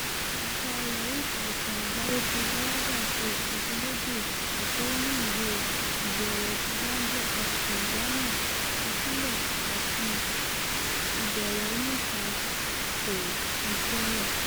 Àkọọ́lẹ̀ oríìtakùn àgbáyé ti Baraza ṣe ìfiléde àkóónú ìwé ìbẹ̀wẹ̀ tí Zambia àti Tanzania fi sílẹ̀ àti ìbẹ̀wẹ̀ onítakò ti Kenya.